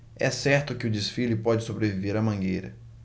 é certo que o desfile pode sobreviver à mangueira